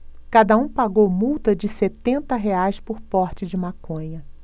cada um pagou multa de setenta reais por porte de maconha